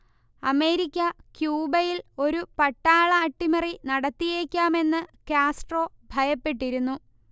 America ക്യൂബയിൽ ഒരു പട്ടാള അട്ടിമറി നടത്തിയേക്കാമെന്ന് കാസ്ട്രോ ഭയപ്പെട്ടിരുന്നു